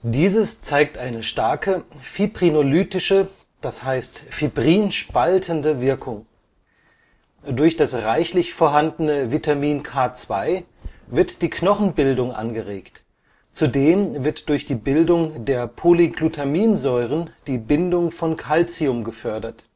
Dieses zeigt eine starke fibrinolytische (fibrinspaltende) Wirkung. Durch das reichlich vorhandene Vitamin K2 wird die Knochenbildung angeregt, zudem wird durch die Bildung der Polyglutaminsäuren die Bindung von Kalzium gefördert